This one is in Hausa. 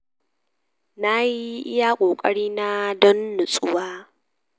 Nayi iya kokarina don natsuwa.”